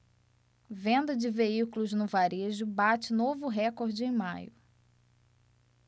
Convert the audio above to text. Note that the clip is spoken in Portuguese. venda de veículos no varejo bate novo recorde em maio